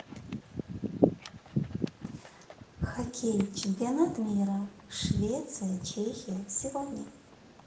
хоккей чемпионат мира швеция чехия сегодня